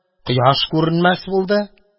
Кояш күренмәс булды